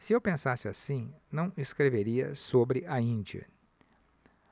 se eu pensasse assim não escreveria sobre a índia